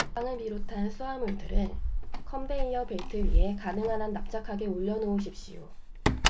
가방을 비롯한 수하물들을 컨베이어 벨트 위에 가능한 한 납작하게 올려놓으십시오